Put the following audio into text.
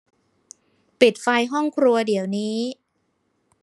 ปิดไฟห้องครัวเดี๋ยวนี้